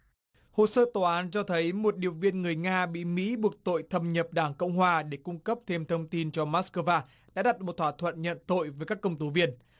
hồ sơ tòa án cho thấy một điệp viên người nga bị mỹ buộc tội thâm nhập đảng cộng hòa để cung cấp thêm thông tin cho mát cơ va đã đặt một thỏa thuận nhận tội với các công tố viên